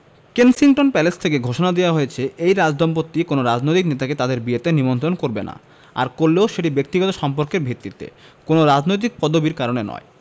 Kensington Palace থেকে ঘোষণা দেওয়া হয়েছে এই রাজদম্পতি কোনো রাজনৈতিক নেতাকে তাঁদের বিয়েতে নিমন্ত্রণ করবেন না আর করলেও সেটি ব্যক্তিগত সম্পর্কের ভিত্তিতে কোনো রাজনৈতিক পদবির কারণে নয়